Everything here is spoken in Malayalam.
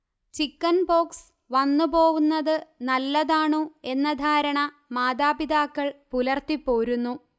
ചിക്കൻപോക്സ് വന്നുപോവുന്നത് നല്ലതാണു എന്ന ധാരണ മാതാപിതാക്കൾ പുലർത്തിപോരുന്നു